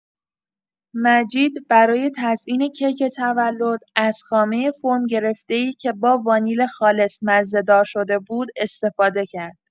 مجید برای تزئین کیک تولد از خامه فرم‌گرفته‌ای که با وانیل خالص مزه‌دار شده بود، استفاده کرد.